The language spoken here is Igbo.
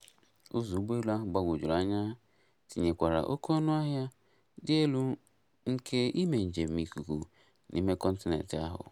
Ụzọ ụgbọelu ahụ gbagwojuru anya tinyekwara oke ọnụahịa dị elu nke ime njem ikuku n'ime kọntinent ahụ.